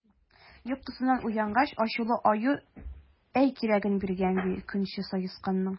Йокысыннан уянгач, ачулы Аю әй кирәген биргән, ди, көнче Саесканның!